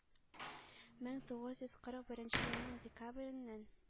Мең тугыз йөз кырык беренче елның декабреннән